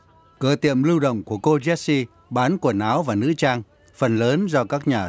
cửa tiềm lưu động của cô jessie bán quần áo và nữ trang phần lớn do các nhà